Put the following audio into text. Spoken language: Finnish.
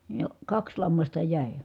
ja kaksi lammasta jäi